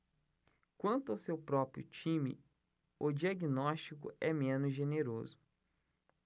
quanto ao seu próprio time o diagnóstico é menos generoso